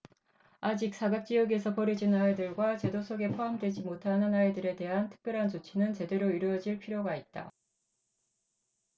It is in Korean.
아직 사각지역에서 버려지는 아이들과 제도 속에 포함되지 못하는 아이들에 대한 특별한 조치는 제대로 이루어질 필요가 있다